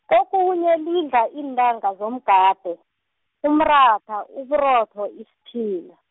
kokhunye lidla iintanga zomgade, umratha, uburotho, isiphila.